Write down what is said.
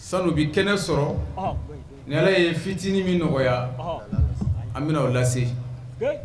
Sanu bɛ kɛnɛ sɔrɔ ni ala ye fitinin min nɔgɔya an bɛna o lase